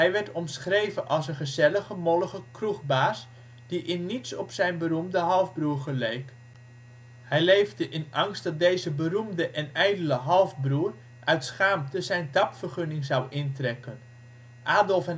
werd omschreven als een gezellige mollige kroegbaas, die in niets op zijn beroemde halfbroer geleek. Hij leefde in angst dat deze beroemde (en ijdele) halfbroer uit schaamte zijn tapvergunning zou intrekken. Adolf